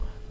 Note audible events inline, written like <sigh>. <hesitation>